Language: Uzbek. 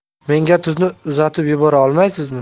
menga tuzni uzatib yubora olmaysizmi